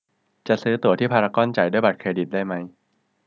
จะซื้อตั๋วที่พารากอนจ่ายด้วยบัตรเครดิตได้ม้้ย